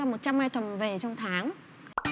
một trăm ai từm về trong tháng